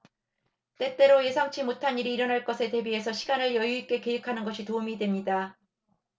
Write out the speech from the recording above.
때때로 예상치 못한 일이 일어날 것을 대비해서 시간을 여유 있게 계획하는 것이 도움이 됩니다